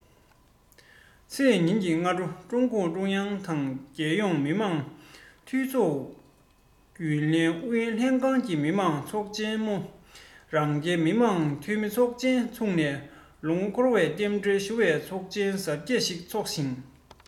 ཀྲུང གུང ཀྲུང དབྱང གི སྤྱི ཁྱབ ཧྲུའུ ཅི དང